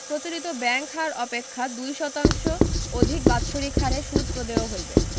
প্রচলিত ব্যাংক হার অপেক্ষা ২% অধিক বাৎসরিক হারে সুদ প্রদেয় হইবে